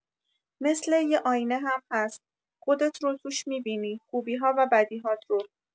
مثل یه آینه هم هست، خودت رو توش می‌بینی، خوبی‌ها و بدی‌هات رو.